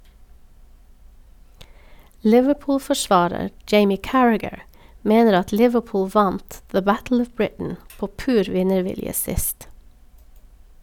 Liverpool-forsvarer Jamie Carragher mener at Liverpool vant «The Battle of Britain» på pur vinnervilje sist.